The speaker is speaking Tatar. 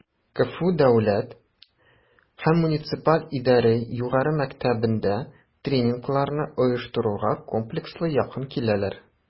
КФУ Дәүләт һәм муниципаль идарә югары мәктәбендә тренингларны оештыруга комплекслы якын киләләр: